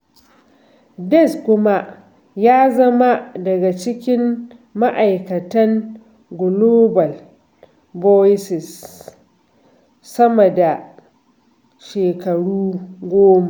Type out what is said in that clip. Diaz kuma ya zama daga cikin ma'aikatan Global ɓoices sama da shekaru goma.